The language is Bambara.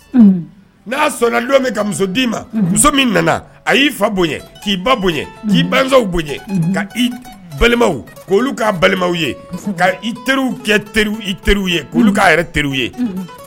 N' sɔn min ka muso di ma muso min nana a y i fa bonya k' ba bo k'w bo balimaw k balimaw ye i teriw kɛ teri i teri ye k' teri ye